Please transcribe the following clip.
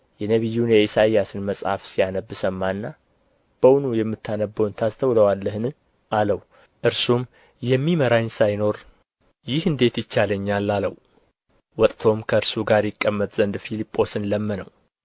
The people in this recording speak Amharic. የነቢዩን የኢሳይያስን መጽሐፍ ሲያነብ ሰማና በውኑ የምታነበውን ታስተውለዋለህን አለው እርሱም የሚመራኝ ሳይኖር ይህ እንዴት ይቻለኛል አለው ወጥቶም ከእርሱ ጋር ይቀመጥ ዘንድ ፊልጶስን ለመነው